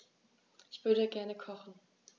Ich würde gerne kochen.